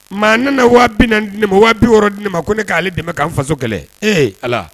Maa ne na waati na di ne ma waati yɔrɔ di ne ma ko ne k'ale dɛmɛ k'an faso kɛlɛ ee ala